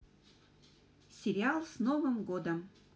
сериал с новым годом